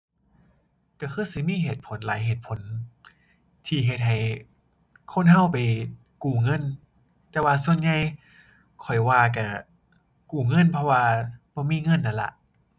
ก็คือสิมีเหตุผลหลายเหตุผลที่เฮ็ดให้คนก็ไปกู้เงิน แต่ว่าส่วนใหญ่ข้อยว่าก็กู้เงิน เพราะว่าบ่มีเงินนั่นล่ะ